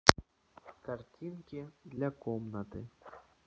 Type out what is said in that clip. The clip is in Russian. картинки для комнаты